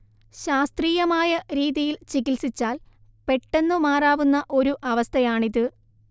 ശാസ്ത്രീയമായ രീതിയിൽ ചികിത്സിച്ചാൽ പെട്ടെന്നു മാറാവുന്ന ഒരു അവസ്ഥയാണിത്